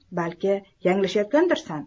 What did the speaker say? balki yanglishayotgandirsan